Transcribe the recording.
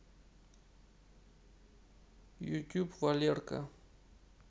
ютуб валерка